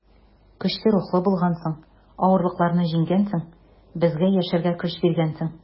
Көчле рухлы булгансың, авырлыкларны җиңгәнсең, безгә яшәргә көч биргәнсең.